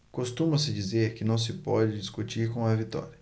costuma-se dizer que não se pode discutir com a vitória